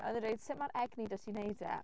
Ac oedd e'n dweud sut ma'r egni 'da ti i wneud e?